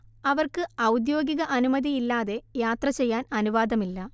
അവർക്ക് ഔദ്യോഗിക അനുമതിയില്ലാതെ യാത്രചെയ്യാൻ അനുവാദമില്ല